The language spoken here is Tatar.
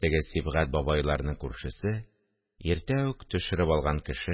Теге Сибгать бабайларның күршесе, иртә үк «төшереп алган» кеше